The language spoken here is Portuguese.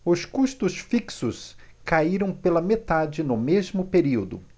os custos fixos caíram pela metade no mesmo período